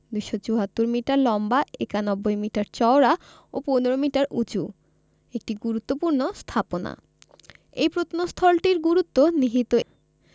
২৭৪ metre লম্বা ৯১ metre চওড়া ও ১৫ মিটার উঁচু একটি গুরুত্বপূর্ণ স্থাপনা এই প্রত্নস্থলটির গুরুত্ব নিহিত